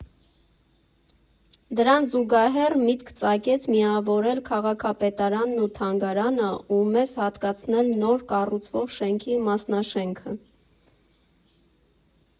Դրան զուգահեռ միտք ծագեց միավորել քաղաքապետարանն ու թանգարանը ու մեզ հատկացնել նոր կառուցվող շենքի մասնաշենքը։